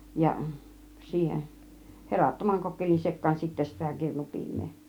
ja siihen herattoman kokkelin sekaan sitten sitä - kirnupiimää